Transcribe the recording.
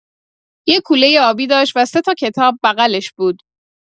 یه کولۀ آبی داشت و سه‌تا کتاب بغلش بود؛